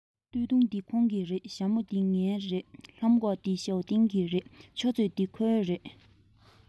སྟོད ཐུང འདི ཁོང གི རེད ཞྭ མོ འདི ངའི རེད ལྷམ གོག འདི ཞའོ ཏིང གི རེད ཆུ ཚོད འདི ཁོའི རེད